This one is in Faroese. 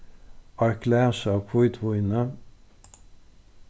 eitt glas av hvítvíni